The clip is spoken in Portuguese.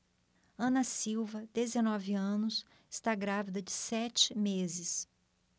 ana silva dezenove anos está grávida de sete meses